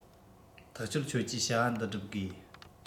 ཐག ཆོད ཁྱོད ཀྱིས བྱ བ འདི སྒྲུབ དགོས